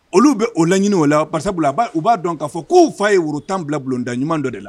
Olu bɛ o laɲini o la pasa a b u b'a dɔn k'a fɔ k'o fa a ye woro tan bila bulonda ɲuman dɔ de la